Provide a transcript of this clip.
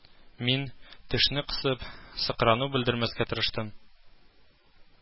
Мин, тешне кысып, сыкрану белдермәскә тырыштым